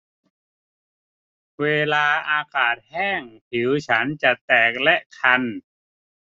เวลาอากาศแห้งผิวฉันจะแตกและคัน